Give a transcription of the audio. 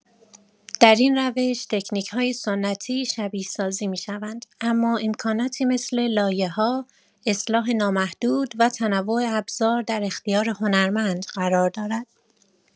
در این روش، تکنیک‌های سنتی شبیه‌سازی می‌شوند، اما امکاناتی مثل لایه‌ها، اصلاح نامحدود و تنوع ابزار در اختیار هنرمند قرار دارد.